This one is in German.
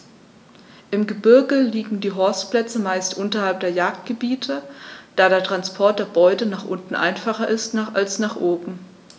Im Gebirge liegen die Horstplätze meist unterhalb der Jagdgebiete, da der Transport der Beute nach unten einfacher ist als nach oben.